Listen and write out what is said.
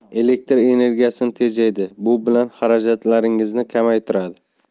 elektr energiyasini tejaydi bu bilan xarajatlaringizni kamaytiradi